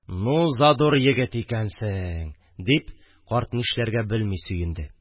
– ну, задур егет икәнсең, – дип карт нишләргә белми сөенде